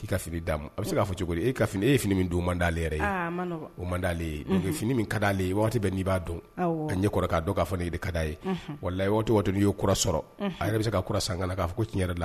Ma bɛ se k'a cogo e ye fini don u man dalenale o man dalen fini kaale waati bɛ n'i b'a dɔn ka ɲɛ kɔrɔkɛ k'a dɔn k'a fɔ ne e ka da ye wala la waati n'i yeo sɔrɔ a yɛrɛ bɛ se ka kura san kan k'a fɔ cɛn yɛrɛ la